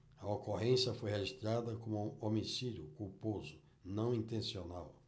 a ocorrência foi registrada como homicídio culposo não intencional